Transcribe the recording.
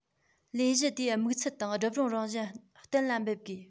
ལས གཞི དེའི དམིགས ཚད དང སྒྲུབ རུང རང བཞིན གཏན ལ འབེབས དགོས